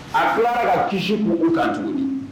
A tila ka kisi k'olu kan tuguni.